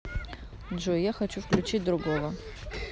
джой я хочу включить другого